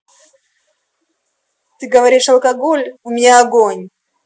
ты говоришь алкоголь у меня агонь